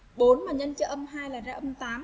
nhân cho là đưa ông táo